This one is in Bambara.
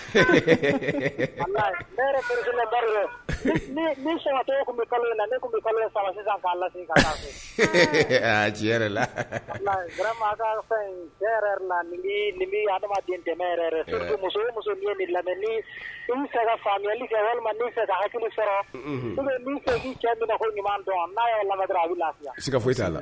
Cɛ ɲumana lafi la